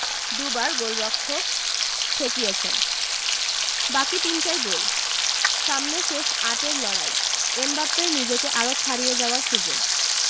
দুবার গোলরক্ষক ঠেকিয়েছেন বাকি তিনটাই গোল সামনে শেষ আটের লড়াই এমবাপ্পের নিজেকে আরও ছাড়িয়ে যাওয়ার সুযোগ